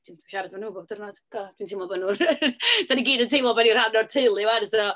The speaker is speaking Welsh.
Dwi'n yn siarad efo nhw bob diwrnod, god dwi'n teimlo bod nhw'r ... Dan ni gyd yn teimlo bod ni'n rhan o'r teulu 'wan, so....